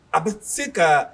A bɛ se ka